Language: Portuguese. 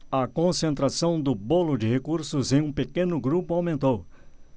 a concentração do bolo de recursos em um pequeno grupo aumentou